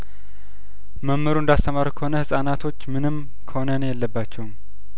መምሩ እንዳስ ተማሩት ከሆነ ህጻናቶች ምንም ኩነኔ የለባቸውም